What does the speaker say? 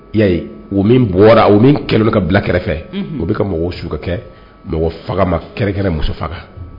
I y'a ye o min bɔra o min kɛlen bɛ k'a bila kɛrɛfɛ unhun o be ka mɔgɔw su ka kɛ mɔgɔ faga ma kɛrɛnkɛrɛn muso faga